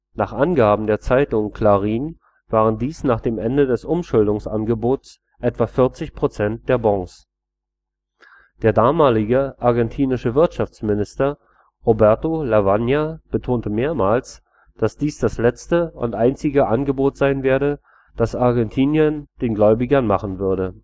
Nach Angaben der Zeitung Clarín waren dies nach dem Ende des Umschuldungsangebots etwa 40% der Bonds. Der damalige argentinische Wirtschaftsminister Roberto Lavagna betonte mehrmals, dass dies das letzte und einzige Angebot sein werde, das Argentinien den Gläubigern machen würde